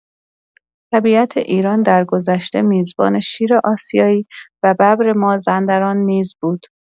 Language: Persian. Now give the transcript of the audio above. طبیعت ایران درگذشته میزبان شیر آسیایی و ببر مازندران نیز بود.